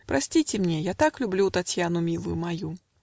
Простите мне: я так люблю Татьяну милую мою!